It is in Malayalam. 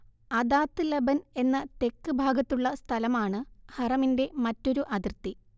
അദാത്ത് ലബൻ എന്ന തെക്ക് ഭാഗത്തുള്ള സ്ഥലമാണ് ഹറമിന്റെ മറ്റൊരു അതിർത്തി